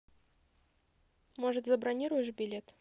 может забронируешь билет